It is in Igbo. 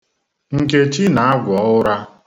Nkechi na-agwọ ụra